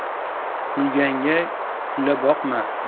kulganga kula boqma